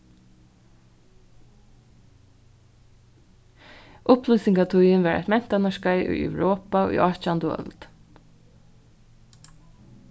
upplýsingartíðin var eitt mentanarskeið í europa í átjandu øld